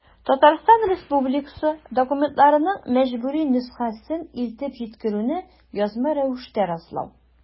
Татарстан Республикасы документларының мәҗбүри нөсхәсен илтеп җиткерүне язма рәвештә раслау.